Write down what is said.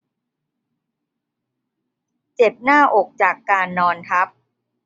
เจ็บหน้าอกจากการนอนทับ